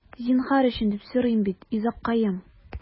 Зинһар өчен, диеп сорыйм бит, йозаккаем...